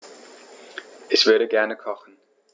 Ich würde gerne kochen.